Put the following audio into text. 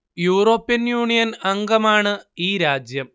European Union അംഗമാണ് ഈ രാജ്യം